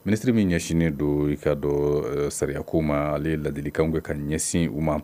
Ministre min ɲɛsinnen don i ka dɔn sariyako ma ale ladilikan kɛ ka ɲɛsin u ma